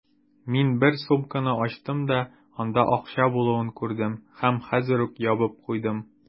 Мин бер сумканы ачтым да, анда акча булуын күрдем һәм хәзер үк ябып куйдым.